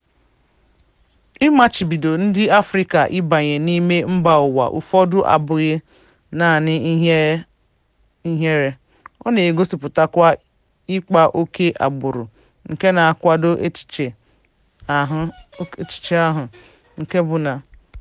Ịmachibido ndị Afrịka ịbanye n'ime mbaụwa ụfọdụ abụghị naanị ihe ihere — ọ na-egosipụtakwa ịkpa ókè agbụrụ nke na-akwado echiche ahụ nke bụ na ndị ọkachamara na ndị ọrụnkà Afrịka enweghị ike ịsọpụrụ iwu.